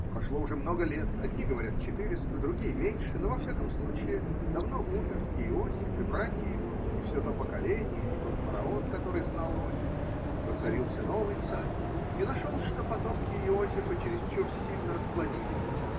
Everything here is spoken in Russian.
Прошло уже много лет, одни говорят – четыреста, другие меньше, но, во всяком случае, давно умер и Иосиф, и братья его, и все то поколение, и тот фараон, который знал Иосифа, Воцарился новый царь и нашел, что потомки Иосифа чересчур сильно расплодились.